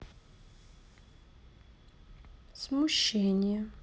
смущение